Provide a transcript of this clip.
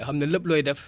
nga xam ne lépp looy def